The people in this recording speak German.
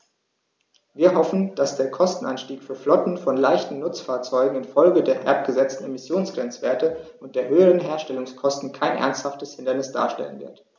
Wir hoffen, dass der Kostenanstieg für Flotten von leichten Nutzfahrzeugen in Folge der herabgesetzten Emissionsgrenzwerte und der höheren Herstellungskosten kein ernsthaftes Hindernis darstellen wird.